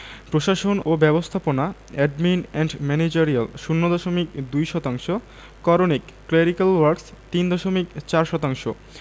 প্রশাসন ও ব্যবস্থাপনা এডমিন এন্ড ম্যানেজেরিয়াল ০ দশমিক ২ শতাংশ করণিক ক্ল্যারিক্যাল ওয়ার্ক্স ৩ দশমিক ৪ শতাংশ